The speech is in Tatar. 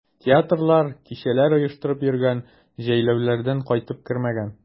Театрлар, кичәләр оештырып йөргән, җәйләүләрдән кайтып кермәгән.